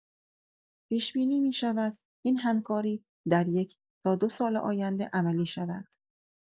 پیش‌بینی می‌شود این همکاری در یک تا دو سال آینده عملی شود.